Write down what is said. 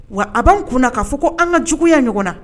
Wa a b'an kunna k'a fɔ ko an ka juguya ɲɔgɔn na